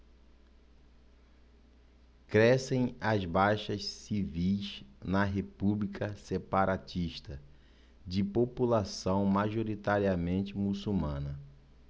crescem as baixas civis na república separatista de população majoritariamente muçulmana